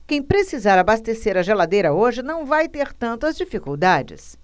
quem precisar abastecer a geladeira hoje não vai ter tantas dificuldades